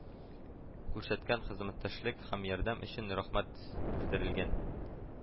Күрсәткән хезмәттәшлек һәм ярдәм өчен рәхмәт белдерелгән